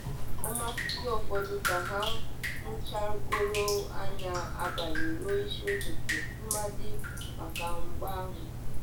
Ọ masịghị ụfọdụ ka ha mụchagoro anya abalị ruo isi ụtụtụ tụmadị maka mgba ahụ.